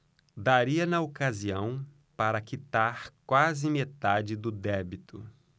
daria na ocasião para quitar quase metade do débito